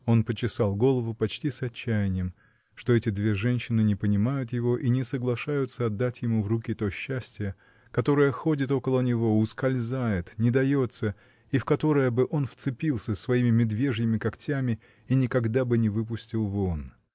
Он почесал голову почти с отчаянием, что эти две женщины не понимают его и не соглашаются отдать ему в руки то счастье, которое ходит около него, ускользает, не дается и в которое бы он вцепился своими медвежьими когтями и никогда бы не выпустил вон.